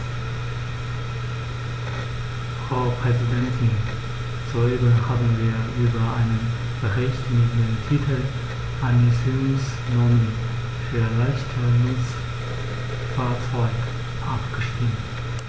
Frau Präsidentin, soeben haben wir über einen Bericht mit dem Titel "Emissionsnormen für leichte Nutzfahrzeuge" abgestimmt.